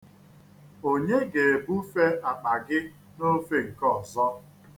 Onye ga-ebufe akpa gị n'ofe nke ọzọ.